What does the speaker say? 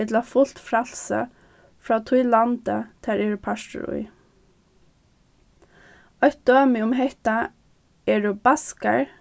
ella fult frælsi frá tí landi tær eru partur í eitt dømi um hetta eru baskar